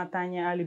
An taa ɲali